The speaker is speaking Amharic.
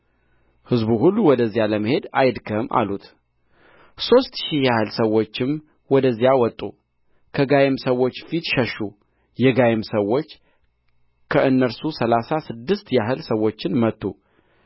ሕዝቡ ሁሉ ወደዚያ ለመሄድ አይድከም አሉት ሦስት ሺህ ያህል ሰዎችም ወደዚያ ወጡ ከጋይም ሰዎች ፊት ሸሹ የጋይም ሰዎች ከእነርሱ ሠላሳ ስድስት ያህል ሰዎችን መቱ